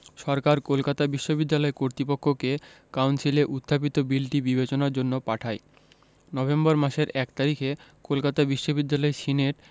সরকার কলকাতা বিশ্ববিদ্যালয় কর্তৃপক্ষকে কাউন্সিলে উত্থাপিত বিলটি বিবেচনার জন্য পাঠায় নভেম্বর মাসের ১ তারিখে কলকাতা বিশ্ববিদ্যালয় সিনেট